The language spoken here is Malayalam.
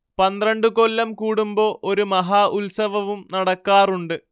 പന്ത്രണ്ടു കൊല്ലം കൂടുമ്പോ ഒരു മഹാ ഉത്സവവും നടക്കാറുണ്ട്